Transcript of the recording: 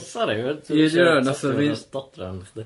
Sori, ma'r dwi'n isio tasgu fo dros dodrafn chdi.